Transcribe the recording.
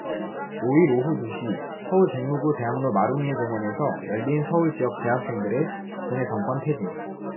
오 일 오후 두 시 서울 종로구 대학로 마로니에 공원에서 열린 서울지역 대학생들의 박근혜 정권 퇴진